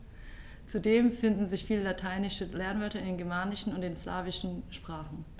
Zudem finden sich viele lateinische Lehnwörter in den germanischen und den slawischen Sprachen.